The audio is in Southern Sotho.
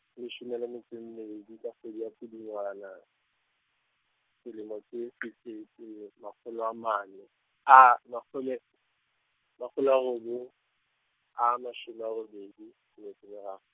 leshome le metso e mmedi ka kgwedi ya Pudungwana, selemo ke , sekete makgolo a mane, a makgole-, makgolo a robong, a mashome a robedi, le metso mera-.